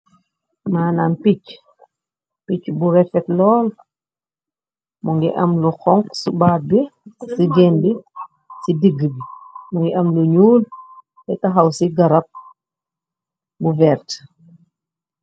Maanaam picc picc bu refet lool mu ngi am lu xonku ci bat bi ci génbi ci digg bi mngi am lu ñuul te taxaw ci garab bu verte.